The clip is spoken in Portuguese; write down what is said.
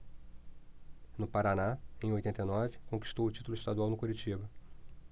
no paraná em oitenta e nove conquistou o título estadual no curitiba